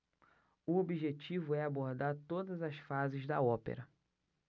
o objetivo é abordar todas as fases da ópera